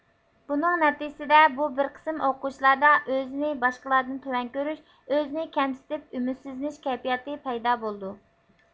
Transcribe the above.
بۇنىڭ نەتىجىسىدە بۇ بىر قىسىم ئوقۇغۇچىلاردا ئۆزىنى باشقىلاردىن تۆۋەن كۆرۈش ئۆزىنى كەمسىتىپ ئۈمۈدسىزلىنىش كەيپىياتى پەيدا بولىدۇ